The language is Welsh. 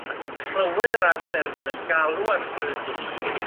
ac yn clywed yr archdderwydd yn galw ar Fleur de Lys